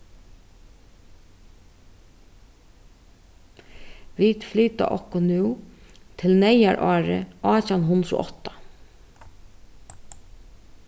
vit flyta okkum nú til neyðarárið átjan hundrað og átta